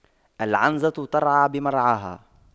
العنزة ترعى بمرعاها